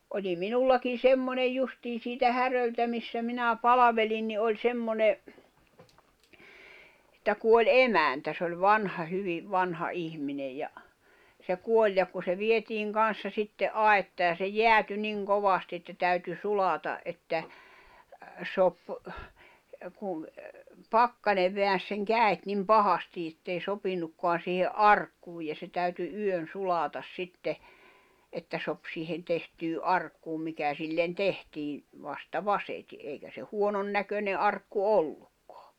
oli minullakin semmoinen justiin siitä Häröltä missä minä palvelin niin oli semmoinen että kuoli emäntä se oli vanha hyvin vanha ihminen ja se kuoli ja kun se vietiin kanssa sitten aittaan ja se jäätyi niin kovasti että täytyi sulaa että sopi kun pakkanen väänsi sen kädet niin pahasti että ei sopinutkaan siihen arkkuun ja se täytyi yön sulaa sitten että sopi siihen tehtyyn arkkuun mikä sille tehtiin vasta vasiten eikä se huonon näköinen arkku ollutkaan